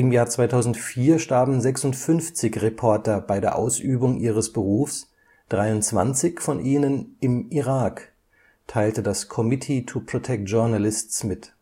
Jahr 2004 starben 56 Reporter bei der Ausübung ihres Berufs, 23 von ihnen im Irak, teilte das Committee to Protect Journalists (CPJ) mit